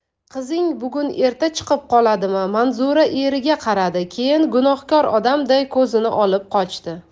qizing bugun erta chiqib qoladimi manzura eriga qaradi keyin gunohkor odamday ko'zini olib qochdi